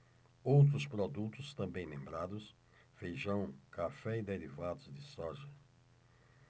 outros produtos também lembrados feijão café e derivados de soja